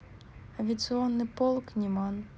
авиационный полк неман